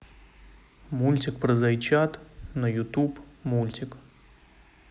мультик про зайчат на ютуб мультик